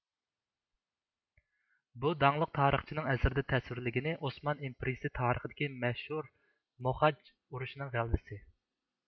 بۇ داڭلىق تارىخچىنىڭ ئەسىرىدە تەسۋىرلىگىنى ئوسمان ئىمپېرىيىسى تارىخىدىكى مەشھۇر موخاج ئۇرۇشىنىڭ غەلىبىسى